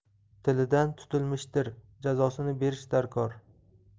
tilidan tutilmishdir jazosini berish darkor